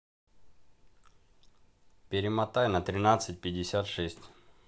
перемотай на тринадцать пятьдесят шесть